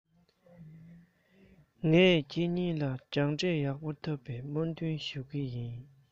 ངས ཁྱེད གཉིས ལ སྦྱངས འབྲས ཡག པོ ཐོབ པའི སྨོན འདུན ཞུ གི ཡིན